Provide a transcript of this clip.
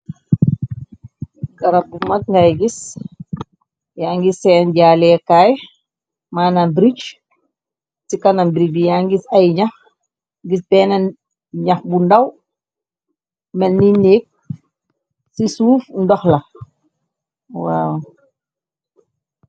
Garab bu mët ngay gis yaa ngi seen jaaleekaay manna bridce ci kana bridg. Ya ngis ay ñax gis benn ñax bu ndàw mel ni nékk ci suuf ndox la waaan.